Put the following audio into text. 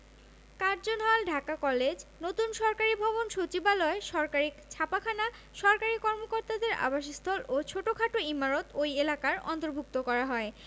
Curzon hall Dhaka college নতুন সরকারি ভবন সচিবালয় সরকারি ছাপাখানা সরকারি কর্মকর্তাদের আবাসস্থল ও ছোটখাট ইমারত ওই এলাকার অন্তর্ভুক্ত করা হয়